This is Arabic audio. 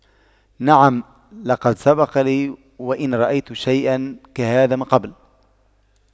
نعم لقد سبق لي وأن رأيت شيئا كهذا من قبل